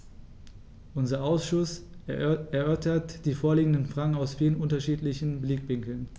Unser Ausschuss erörtert die vorliegenden Fragen aus vielen unterschiedlichen Blickwinkeln.